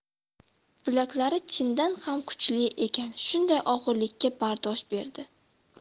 bilaklari chindan ham kuchli ekan shunday og'irlikka bardosh berdi